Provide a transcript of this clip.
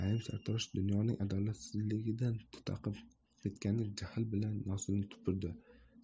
naim sartarosh dunyoning adolatsizligidan tutaqib ketgandek jahl bilan nosini tupurdi